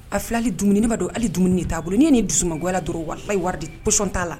A filɛ ka dumuni, ne b'a don hali dumuni de t'a bolo, ni ye nin dusumangoyara dɔrɔn walahi wari de position t'a la.